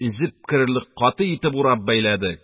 Өзеп керерлек, каты итеп, урап бәйләдек